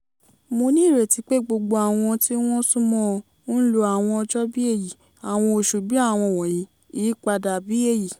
Mo ní ìrètí pé gbogbo àwọn tí wọ́n súnmọ́n-ọn, ń lo àwọn ọjọ́ bíi èyí, àwọn oṣù bíi àwọn wọ̀nyí, ìyípadà bí èyí #tunisia#tnelec